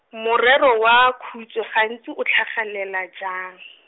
morero wa khutshwe gantsi o tlhagelela jang ?